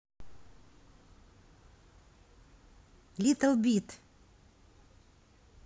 little bit